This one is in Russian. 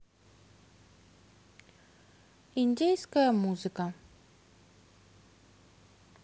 индейская музыка